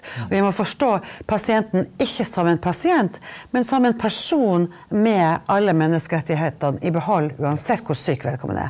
vi må forstå pasienten ikke som en pasient, men som en person med alle menneskerettighetene i behold uansett hvor syk vedkommende er.